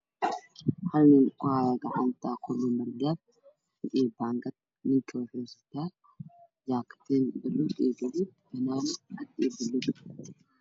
Nin wata bangad tuuray ayaa dilay nin qaba shaatiga shaati ah iyo serwaa lacagaar ah nicholas